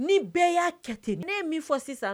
Ni bɛɛ y'a kɛ ten ne ye min fɔ sisan